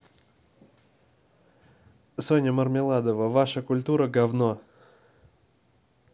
соня мармеладова ваша культура гавно